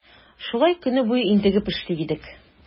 Шулай көне буе интегеп эшли идек.